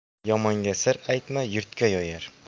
yomonga sir aytma yurtga yoyar